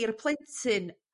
i'r plentyn